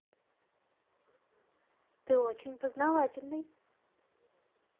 ты очень познавательный